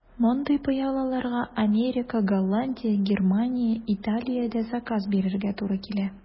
Мондый пыялаларга Америка, Голландия, Германия, Италиядә заказ бирергә туры килә.